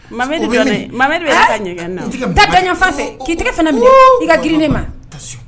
Gɛn fɛ'i tɛgɛ min i ka grin ne ma